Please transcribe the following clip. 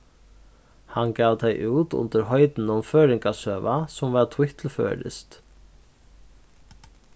hann gav tey út undir heitinum føroyingasøga sum varð týtt til føroyskt